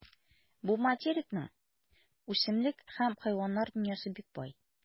Бу материкның үсемлек һәм хайваннар дөньясы бик бай.